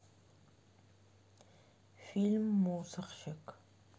фильм мусорщик